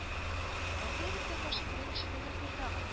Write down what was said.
– картаеп беткән башың белән кеше көлдереп йөр тагын